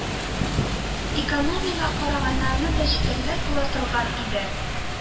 Экономиягә караганнары да җитәрлек була торган иде